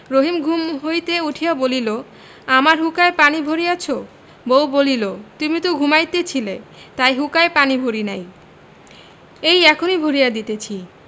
রহিম ঘুম হইতে উঠিয়া বলিল আমার হুঁকায় পানি ভরিয়াছ বউ বলিল তুমি তো ঘুমাইতেছিলে তাই হুঁকায় পানি ভরি নাই এই এখনই ভরিয়া দিতেছি